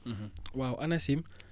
waaw ANACIM